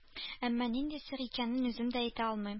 Әмма нинди сер икәнен үзем дә әйтә алмыйм